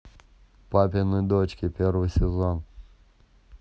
папины дочки первый сезон